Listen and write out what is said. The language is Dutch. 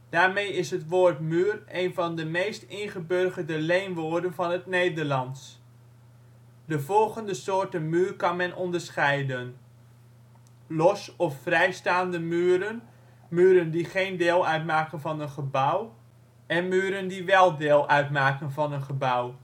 Daarmee is het woord muur een van de meest ingeburgerde leenwoorden van het Nederlands. De volgende soorten muur kan men onderscheiden: los - of vrijstaande muren, muren die geen deel uit maken van een gebouw; muren die deel uitmaken van een gebouw